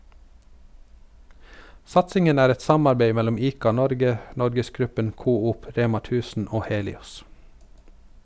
Satsingen er et samarbeid mellom ICA-Norge, NorgesGruppen, Coop, Rema 1000 og Helios.